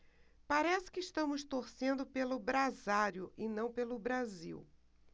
parece que estamos torcendo pelo brasário e não pelo brasil